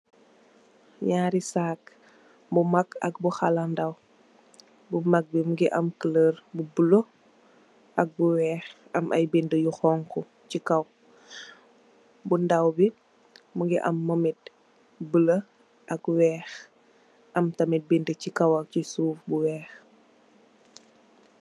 Ñaari sak bu mak ak bu xala ndaw. Bu mak bi mugii am kulor bu bula ak bu wèèx. Am ay bindé yu xonxu ci kaw, bu ndaw bi mugii am momit bula ak wèèx am tamit bindi ci kaw ak ci suuf bu wèèx.